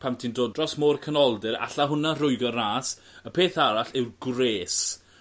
pan ti'n dod dros mor canoldir alla hwnna rhwygo ras. Y peth arall yw'r gwres